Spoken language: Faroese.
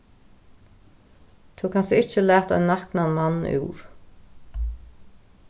tú kanst ikki lata ein naknan mann úr